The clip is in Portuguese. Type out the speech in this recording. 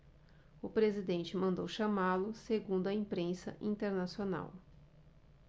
o presidente mandou chamá-lo segundo a imprensa internacional